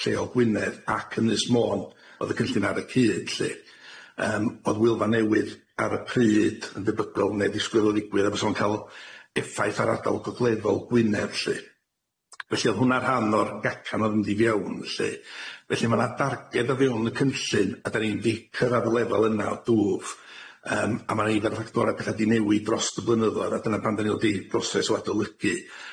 Lleol Gwynedd ac Ynys Mon o'dd y cynllun ar y cyd lly yym o'dd Wylfa newydd ar y pryd yn debygol ne' ddisgwyl o ddigwydd a bysa fo'n ca'l effaith ar ardal gogleddol Gwynedd lly. Felly o'dd hwnna'n rhan o'r gacan o'dd yn mynd i fewn lly felly ma' na darged o fewn y cynllun a 'dan ni di cyrradd y lefel yna o dwf yym a ma' ffactora petha di newid drost y blynyddodd a dyna pan dan ni'n dod i broses o adolygu.